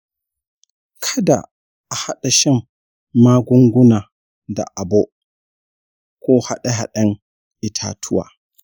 kada a haɗa shan magunguna da agbo ko haɗe haɗen itatuwa